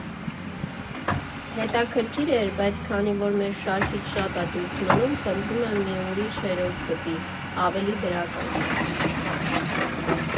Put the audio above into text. Հետաքրքիր էր, բայց քանի որ մեր շարքից շատ ա դուրս մնում, խնդրում եմ, մի ուրիշ հերոս գտի՝ ավելի դրական։